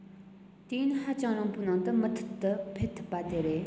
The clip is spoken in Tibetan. དུས ཡུན ཧ ཅང རིང པོའི ནང དུ མུ མཐུད དུ འཕེལ ཐུབ པ དེ རེད